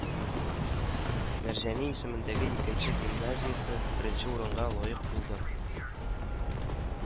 Мәрҗани исемендәге икенче гимназиясе беренче урынга лаек булды